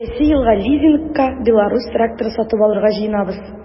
Киләсе елга лизингка “Беларусь” тракторы сатып алырга җыенабыз.